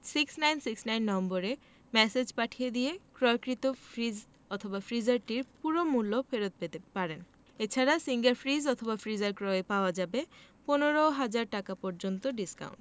৬৯৬৯ নম্বরে ম্যাসেজ পাঠিয়ে দিয়ে ক্রয়কৃত ফ্রিজ/ফ্রিজারটির পুরো মূল্য ফেরত পেতে পারেন এ ছাড়া সিঙ্গার ফ্রিজ/ফ্রিজার ক্রয়ে পাওয়া যাবে ১৫০০০ টাকা পর্যন্ত ডিসকাউন্ট